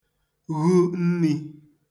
ghu nni